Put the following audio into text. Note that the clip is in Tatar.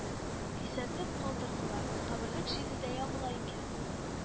Кисәтеп калдылар, каберлек җидедә ябыла икән